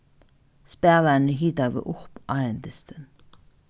spælararnir hitaðu upp áðrenn dystin